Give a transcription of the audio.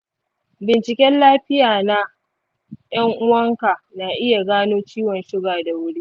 binciken lafiya na ’yan’uwanka na iya gano ciwon suga da wuri.